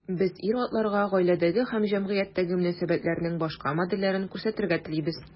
Без ир-атларга гаиләдәге һәм җәмгыятьтәге мөнәсәбәтләрнең башка модельләрен күрсәтергә телибез.